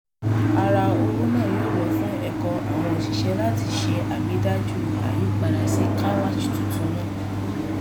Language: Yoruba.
Ara owó náà yóò lọ fún ẹ̀kọ́ àwọn òṣìṣẹ́ láti ṣe àrídájú àyípadà sí kwacha tuntun náà.